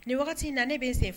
Nin wagati na ne bɛ sen fɛ